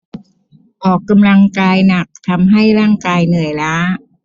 ออกกำลังกายหนักทำให้ร่างกายเหนื่อยล้า